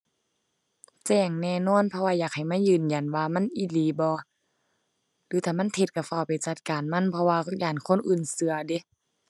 แจ้งแน่นอน เพราะว่าอยากให้มายืนยันว่ามันอีหลีบ่ หรือถ้ามันเท็จก็ฟ้าวไปจัดการมัน เพราะว่าย้านคนอื่นก็เดะ